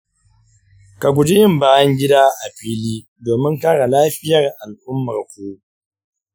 ka guji yin bayan gida a fili domin kare lafiyar al'ummarku.